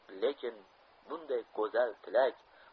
lekin bunday go'zal tilak